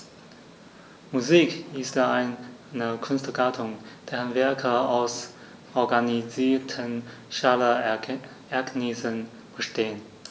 Musik ist eine Kunstgattung, deren Werke aus organisierten Schallereignissen bestehen.